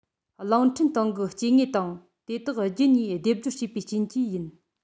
གླིང ཕྲན སྟེང གི སྐྱེ དངོས དང དེ དག རྒྱུད གཉིས སྡེབ སྦྱོར བྱས པའི རྐྱེན གྱིས ཡིན